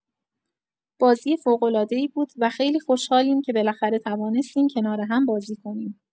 بازی فوق‌العاده‌ای بود و خیلی خوشحالیم که بالاخره توانستیم کنار هم‌بازی کنیم.